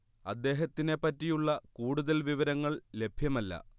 അദ്ദേഹത്തിനെ പറ്റിയുള്ള കൂടുതൽ വിവരങ്ങൾ ലഭ്യമല്ല